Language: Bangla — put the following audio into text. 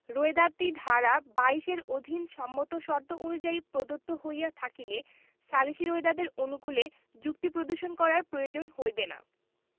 রোয়েদাদটি ধারা ২২ এর অধীন সম্মত শর্ত অনুযায়ী প্রদত্ত হইয়া থাকিলে সালিসী রোয়েদাদের অনুকূলে যুক্তি প্রদর্শন করার প্রয়োজন হইবে না